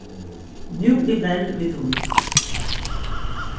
nú er vell við tí